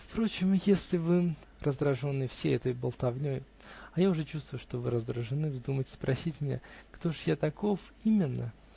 впрочем, если вы, раздраженные всей этой болтовней (а я уже чувствую, что вы раздражены), вздумаете спросить меня: кто ж я таков именно?